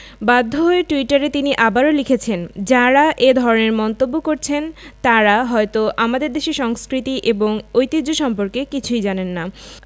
বাধ্য হয়ে টুইটারে তিনি আবারও লিখেছেন যাঁরা এ ধরনের মন্তব্য করছেন তাঁরা হয়তো আমাদের দেশের সংস্কৃতি এবং ঐতিহ্য সম্পর্কে কিছুই জানেন না